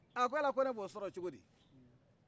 a ko yala ne bo sɔrɔ cogodi